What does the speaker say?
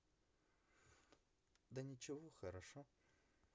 да ничего хорошо